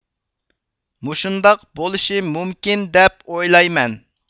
مۇشۇنداق بولۇشى مۇمكىن دەپ ئويلايمەن